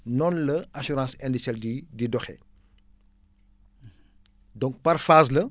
noonu la assuarnce indicelle di di doxee donc par phase la